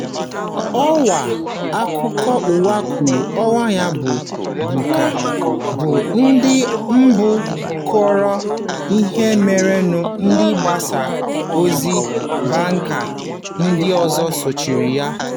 Ọwa akụkọ ụwa kwụụrụ onwe ya bụ Buka bụ ndị mbụ kọrọ ihe merenụ, ndị mgbasa ozi Balkan ndị ọzọ sochiri ya.